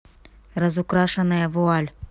разукрашенная вуаль